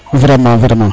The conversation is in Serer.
vraiment vraiment